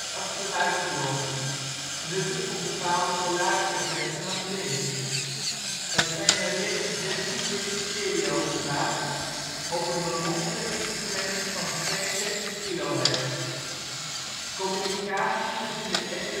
geluidsbron (nuttig voor bepaalde geluidseffecten als wind). Het genereert een 16-bit stereogeluid op een bemonsteringsfrequentie van 32 kHz. Communicatie tussen de SPC700